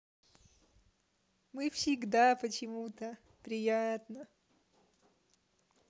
мы всегда почему то приятно